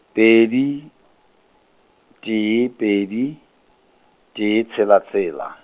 pedi, tee pedi, tee, tshela, tshela.